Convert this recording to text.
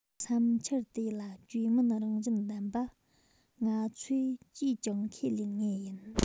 བསམ འཆར དེ ལ བཅོས མིན རང བཞིན ལྡན པ ང ཚོས ཅིས ཀྱང ཁས ལེན ངེས ཡིན